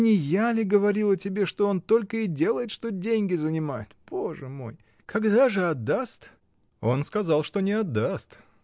Не я ли говорила тебе, что он только и делает, что деньги занимает! Боже мой! Когда же отдаст? — Он сказал, что не отдаст.